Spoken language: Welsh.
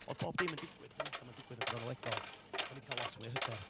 oedd bob dim yn digwydd, y pennodau 'ma'n digwydd yn gronolegol, o'n i 'di cael lot mwy o hyder.